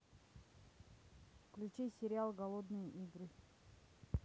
включи сериал голодные игры